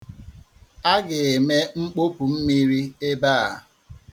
A ga-eme mkpopu mmiri ebe a.